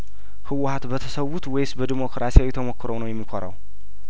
ህወሀት በተሰዉት ወይስ በዲሞክራሲያዊው ተሞክሮው ነው የሚኮራው